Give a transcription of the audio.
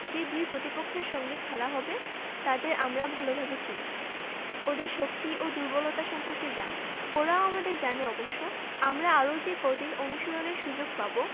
যে দুই প্রতিপক্ষের সঙ্গে খেলা হবে তাদের আমরা ভালোভাবে চিনি ওদের শক্তি ও দুর্বলতা সম্পর্কে জানি ওরাও আমাদের জানে অবশ্য আমরা আরও যে কদিন অনুশীলনের সুযোগ পাব